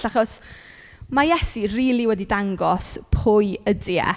Achos ma' Iesu rili wedi dangos pwy ydy e.